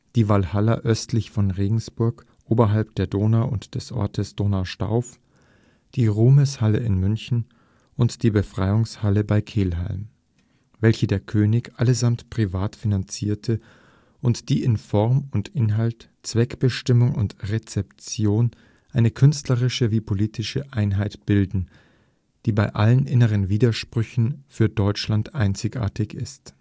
die Walhalla östlich von Regensburg oberhalb der Donau und des Ortes Donaustauf (1842), die Ruhmeshalle in München (1853) und die Befreiungshalle bei Kelheim (1863), welche der König allesamt privat finanzierte und die in Form und Inhalt, Zweckbestimmung und Rezeption eine künstlerische wie politische Einheit bilden, die bei allen inneren Widersprüchen für Deutschland einzigartig ist